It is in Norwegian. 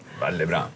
veldig bra.